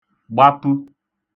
gbapə